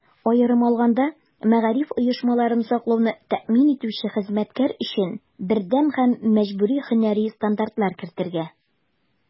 Аерым алганда, мәгариф оешмаларын саклауны тәэмин итүче хезмәткәр өчен бердәм һәм мәҗбүри һөнәри стандартлар кертергә.